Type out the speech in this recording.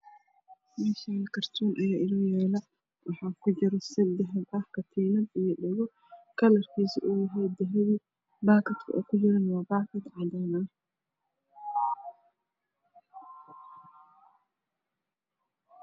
Meshaan kartoon ayaa inoo yaalo sad dahab ah katiinad iy dhago kalar kiisu yahay dahabi bakadak ow ku jiro waa bakad cadaan ah